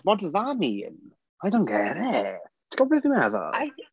What does that mean. I don't get it. Ti'n gwybod beth dwi'n meddwl?